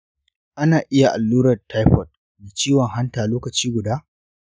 ana iya yin allurar taifod da ciwon hanta lokaci guda?